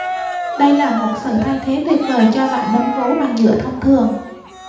đây là một sự thay thế tuyệt vời cho loại núm vú bằng nhựa thông thường